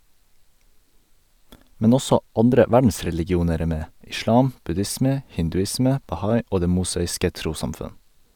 Men også andre verdensreligioner er med - islam, buddhisme , hinduisme, bahai og det mosaiske trossamfunn.